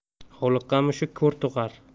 hovliqqan mushuk ko'r tug'ar